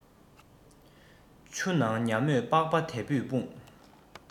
ཆུ ནང ཉ མོ སྤགས ལ དད པས ཕུང